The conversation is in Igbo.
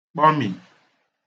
kpọmì